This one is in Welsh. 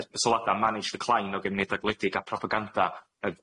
yym yy sylwada' Manage Decline o gymuneda gwledig a propaganda